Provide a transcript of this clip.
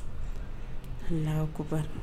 La koba